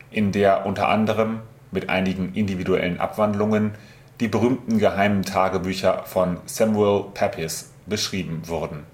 in der unter anderem – mit einigen individuellen Abwandlungen – die berühmten geheimen Tagebücher von Samuel Pepys geschrieben wurden